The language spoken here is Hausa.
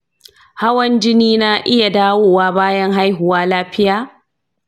hawan jini na iya dawowa bayan haihuwa lafiya?